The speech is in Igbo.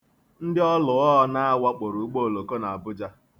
Ndị ọlụọnaa wakporo ugbooloko n'Abụja.